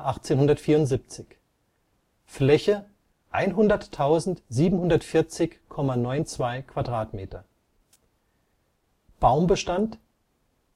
1874 Fläche: 100.740,92 m² Baumbestand: